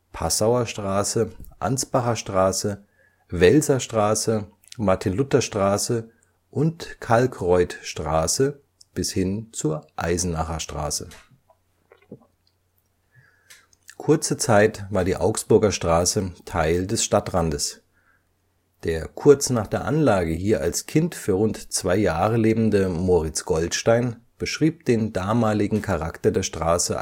Passauer Straße, Ansbacher Straße, Welser Straße, Martin-Luther-Straße und Kalckreuthstraße bis hin zur Eisenacher Straße. Kurze Zeit war die Augsburger Straße Teil des Stadtrandes. Der kurz nach der Anlage hier als Kind für rund zwei Jahre lebende Moritz Goldstein beschrieb den damaligen Charakter der Straße als